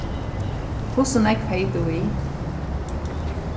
hvussu nógv hevði tú við